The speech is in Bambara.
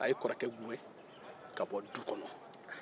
a ye kɔrɔkɛ gɛn ka bɔ du kɔnɔ